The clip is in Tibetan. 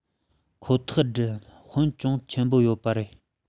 ཁོ ཐག སྒྲུབ དཔོན ཅུང ཆེན པོ ཡོད པ རེད